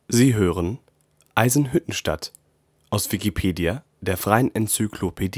Sie hören den Artikel Eisenhüttenstadt, aus Wikipedia, der freien Enzyklopädie